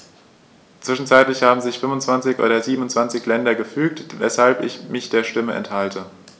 Zwischenzeitlich haben sich 25 der 27 Länder gefügt, weshalb ich mich der Stimme enthalte.